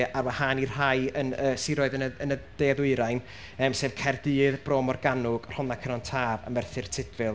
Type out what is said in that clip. ar wahân i rhai yn y... siroedd yn y yn y De ddwyrain, yym sef Caerdydd, Bro Morgannwg, Rhondda Cynon Taf a Merthyr Tudfil.